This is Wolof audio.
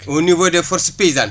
au niveau des forces paysanes